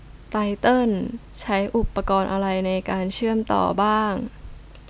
ไตเติ้ลใช้อุปกรณ์อะไรในการเชื่อมต่อบ้าง